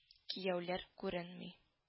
Кияүләр күренми